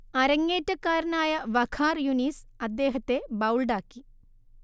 അര‍ങ്ങേറ്റക്കാരനായ വഖാർ യൂനിസ് അദ്ദേഹത്തെ ബൗൾഡാക്കി